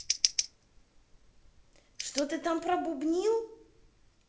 что ты там пробубнил